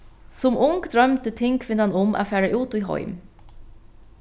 sum ung droymdi tingkvinnan um at fara út í heim